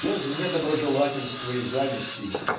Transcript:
без недоброжелательства и зависти